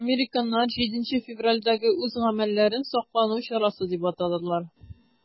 Американнар 7 февральдәге үз гамәлләрен саклану чарасы дип атадылар.